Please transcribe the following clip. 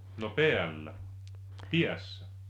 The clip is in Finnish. no päällä päässä